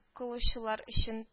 Кылучылар өчен